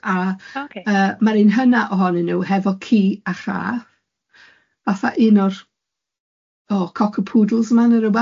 a... oce. ...ma'r un hynna ohonnyn nhw efo ci a chath, fatha un o'r oh, cock-a-poodles ma' na rwbath?